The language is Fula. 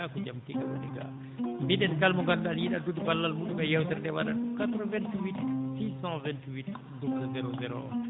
gaa ko jam tigi woni gaa mbiɗen kala mo ngannduɗaa ne yiɗi addude ballal muɗum e yeewtere ndee waɗata ko 88 628 00 01